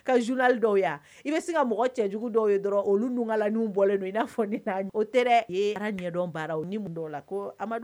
Cɛ jugu dɔw ia fɔ ɲɛdɔn baara la